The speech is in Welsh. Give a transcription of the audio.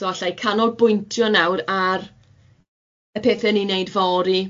So alla i canolbwyntio nawr ar y pethe ni'n neud fory